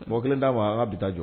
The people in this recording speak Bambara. Mɔgɔ kelen'a ma an bɛ taa jɔ